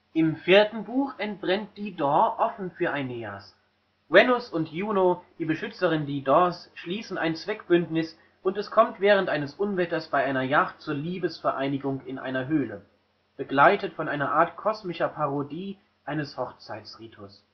Im 4. Buch entbrennt Dido offen für Aeneas. Venus und Juno, die Beschützerin Didos, schließen ein Zweckbündnis, und es kommt während eines Unwetters bei einer Jagd zur Liebesvereinigung in einer Höhle, begleitet von einer Art kosmischer Parodie eines Hochzeitsritus